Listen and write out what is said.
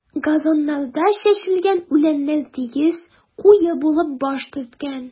Газоннарда чәчелгән үләннәр тигез, куе булып баш төрткән.